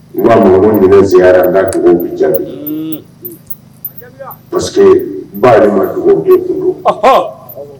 U ma mɔgɔ minɛnya n dacogo bɛ jaabi parce baara macogo bɛ bolo